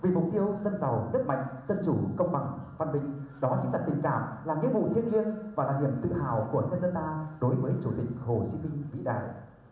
vì mục tiêu dân giàu nước mạnh dân chủ công bằng văn minh đó chính là tình cảm là nghĩa vụ thiêng liêng và là niềm tự hào của nhân dân ta đối với chủ tịch hồ chí minh vĩ đại